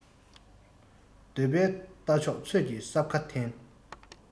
འདོད པའི རྟ མཆོག ཚོད ཀྱིས སྲབ ཁ འཐེན